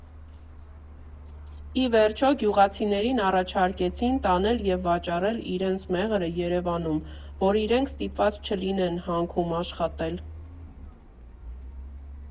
Ի վերջո, գյուղացիներին առաջարկեցին տանել և վաճառել իրենց մեղրը Երևանում, որ իրենք ստիպված չլինեն հանքում աշխատել։